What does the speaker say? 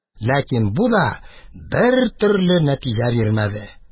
Ләкин бу да бертөрле нәтиҗә бирмәде